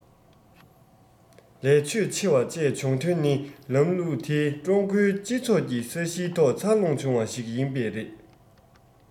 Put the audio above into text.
ལས ཕྱོད ཆེ བ བཅས བྱུང དོན ནི ལམ ལུགས དེ ཀྲུང གོའི སྤྱི ཚོགས ཀྱི ས གཞིའི ཐོག འཚར ལོངས བྱུང བ ཞིག ཡིན པས རེད